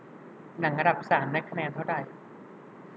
หนังอันดับสามได้คะแนนเท่าไหร่